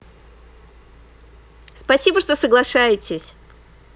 спасибо что соглашаетесь